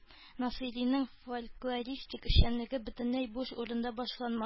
Насыйриның фольклористик эшчәнлеге бөтенләй буш урында башланмады